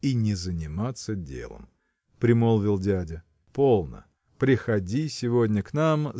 – И не заниматься делом, – примолвил дядя. – Полно! приходи сегодня к нам